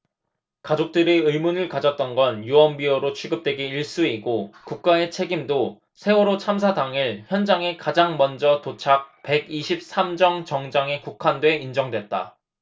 가족들이 의문을 가졌던 건 유언비어로 취급되기 일쑤이고 국가의 책임도 세월호 참사 당일 현장에 가장 먼저 도착 백 이십 삼 정 정장에 국한 돼 인정됐다